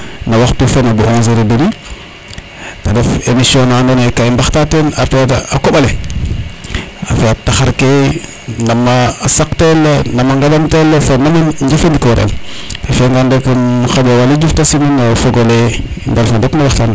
na waxtu fene bo onze heure et demi te ref émission na ando naye ka i mbaxtaten affaire a koɓale affaire taxar ke nama saq tel nama ngenan tel fo nama jefandikorel a fiya ngan rek im xaƴa Waly Diouf te simin o fogole i ndalfo ndok no waxtaan le